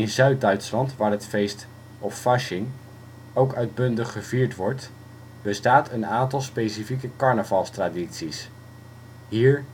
Zuid-Duitsland waar het feest (" Fasching ") ook uitbundig gevierd wordt, bestaat een aantal specifieke carnavalstradities. Hier